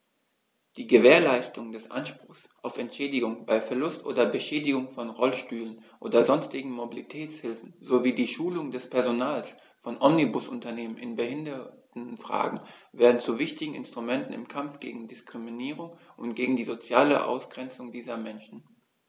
Die Gewährleistung des Anspruchs auf Entschädigung bei Verlust oder Beschädigung von Rollstühlen oder sonstigen Mobilitätshilfen sowie die Schulung des Personals von Omnibusunternehmen in Behindertenfragen werden zu wichtigen Instrumenten im Kampf gegen Diskriminierung und gegen die soziale Ausgrenzung dieser Menschen.